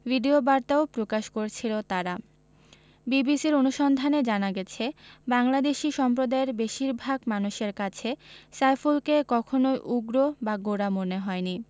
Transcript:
ভিডিওবার্তাও প্রকাশ করছিল তারা বিবিসির অনুসন্ধানে জানা গেছে বাংলাদেশি সম্প্রদায়ের বেশির ভাগ মানুষের কাছে সাইফুলকে কখনোই উগ্র বা গোঁড়া মনে হয়নি